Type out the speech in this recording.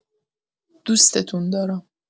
دوستتون دارم!